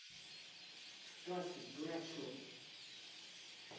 стасик дурачок